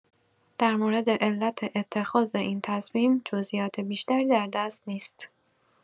در مورد علت اتخاذ این تصمیم جزئیات بیشتری در دست نیست.